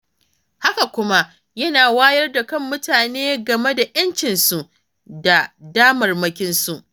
Haka kuma, yana wayar da kan mutane game da 'yancinsu da damarmakinsu.